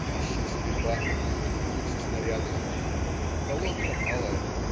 Трещит стрельба, рвутся снаряды. Колонка малая.